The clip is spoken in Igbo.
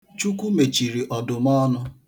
Chukwu mechiri ọdụm ọnụ.